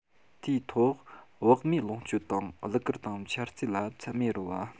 དེའི ཐོག བག མེད ལོངས སྤྱོད དང གླུ གར དང འཆལ རྩེད ལ ཚད མེད རོལ བ